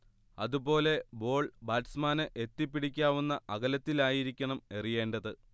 അതുപോലെ ബോൾ ബാറ്റ്സ്മാന് എത്തിപ്പിടിക്കാവുന്ന അകലത്തിലായിരിക്കണം എറിയേണ്ടത്